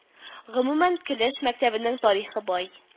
Гомумән, Келәш мәктәбенең тарихы бай